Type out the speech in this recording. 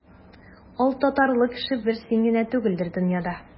Алтатарлы кеше бер син генә түгелдер дөньяда.